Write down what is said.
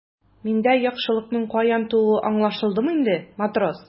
Миндә яхшылыкның каян тууы аңлашылдымы инде, матрос?